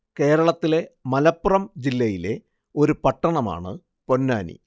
കേരളത്തിലെ മലപ്പുറം ജില്ലയിലെ ഒരു പട്ടണമാണ് പൊന്നാനി